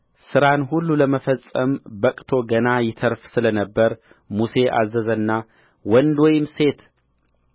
ሥራን ሁሉ ለመፈጸም በቅቶ ገና ይተርፍ ስለ ነበረ ሙሴ አዘዘና ወንድ ወይም ሴት